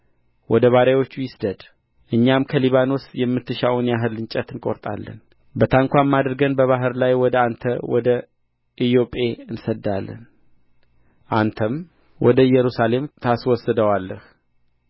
ወደ ባሪያዎቹ ይስደድ እኛም ከሊባኖስ የምትሻውን ያህል እንጨት እንቈርጣለን በታንኳም አድርገን በባሕር ላይ ወደ አንተ ወደ ኢዮጴ እንሰድዳለን አንተም ወደ ኢየሩሳሌም ታስወስደዋለህ